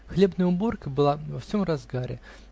Хлебная уборка была во всем разгаре.